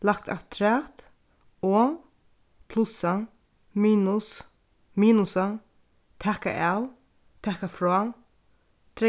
lagt afturat og plussa minus minusa taka av taka frá